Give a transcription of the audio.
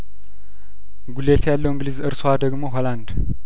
ጉሌት ያለው እንግሊዝ እርሷ ደግሞ ሆላንድ